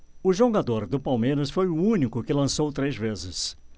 o jogador do palmeiras foi o único que lançou três vezes